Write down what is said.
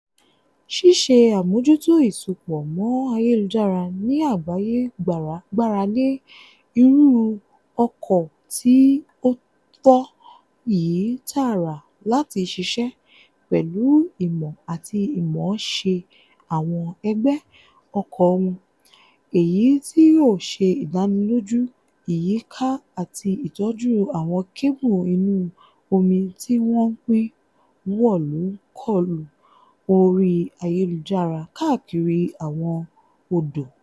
Ṣíṣe àmójútó ìsopọ̀ mọ́ ayélujára ní àgbáyé gbára lé irú ọkọ̀ tí ó tọ́ yìí tààrà láti ṣiṣẹ́, pẹ̀lú ìmọ̀ àti ìmọ̀ọ́ṣe àwọn ẹgbẹ́ ọkọ̀ wọn, èyí tí yóò ṣe ìdánilójú ìyíká àti ìtọ́jú àwọn kébù inú omi tí wọ́n ń pín wọ́lù-ǹ-kọlù orí ayélujára káàkiri àwọn odò.